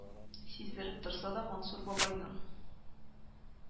Сиздереп торса да, мансур бабайның